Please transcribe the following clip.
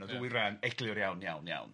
ma' na dwy ran eglur iawn, iawn, iawn.